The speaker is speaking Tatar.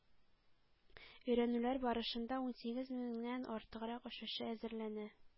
Өйрәнүләр барышында унсигез меңнән артыграк очучы әзерләнә,